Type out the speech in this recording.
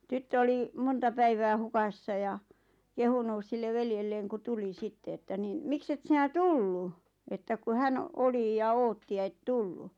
tyttö oli monta päivää hukassa ja kehunut sille veljelleen kun tuli sitten että niin miksi et sinä tullut että kun hän oli ja odotti ja et tullut